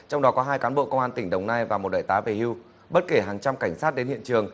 trong đó có hai cán bộ công an tỉnh đồng nai và một đại tá về hưu bất kể hàng trăm cảnh sát đến hiện trường